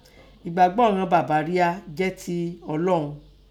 Egbàgbọ́ ìghan bàbá ria jẹ́ tẹ Ọlọun